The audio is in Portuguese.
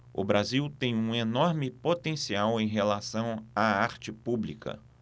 o brasil tem um enorme potencial em relação à arte pública